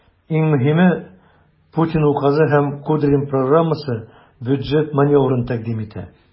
Иң мөһиме, Путин указы һәм Кудрин программасы бюджет маневрын тәкъдим итә.